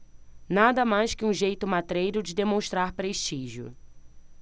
nada mais que um jeito matreiro de demonstrar prestígio